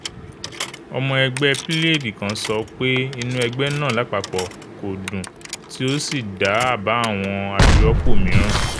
ọmọ ẹgbẹ́ Plaid kan sọpé inú ẹgbẹ náà lápapò "kò dùn" tí ó sì dá àbá àwọn àfirọ́pò mìíràn.